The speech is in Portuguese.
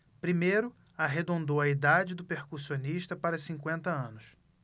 primeiro arredondou a idade do percussionista para cinquenta anos